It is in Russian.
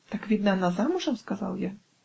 "Так, видно, она замужем?" -- сказал я.